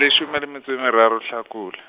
leshome le metso e meraro Hlakola.